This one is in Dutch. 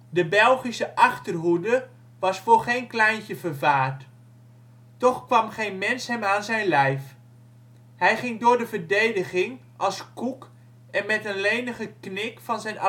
De Belgische achterhoede was voor geen kleintje vervaard, toch kwam geen mensch hem aan zijn lijf. Hij ging door de verdediging als koek en met een lenigen knik van zijn